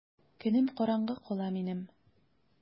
Көнем караңгы кала минем!